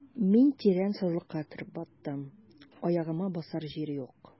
Мин тирән сазлыкка кереп баттым, аягыма басар җир юк.